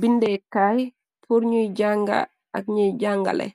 Bindekaay pur ñuy jànga ak ñuy jàngale